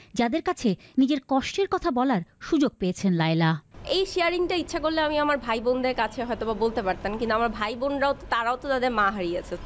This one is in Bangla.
যাদের কাছে নিজের কষ্টের কথা বলার সুযোগ পেয়েছেন লায়লা এই শেয়ারিং টা ইচ্ছা করলে আমার ভাই বোনদের কাছে হয়তো বা বলতে পারতাম কিন্তু আমার ভাই-বোনরা ও তারাও তো তাদের মা হারিয়েছে